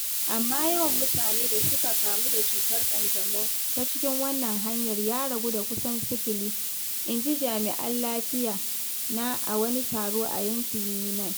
Amma yawan mutanen da suka kamu da cutar ƙanjamau ta cikin wannan hanyar ya ragu da kusan sifili, inji jami'an lafiya na a wani taro a yankin Yunnan.